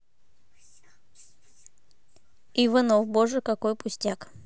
иванов боже какой пустяк